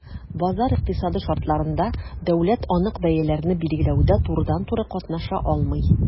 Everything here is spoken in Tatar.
Базар икътисады шартларында дәүләт анык бәяләрне билгеләүдә турыдан-туры катнаша алмый.